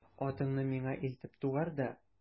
Атыңны миңа илтеп тугар да...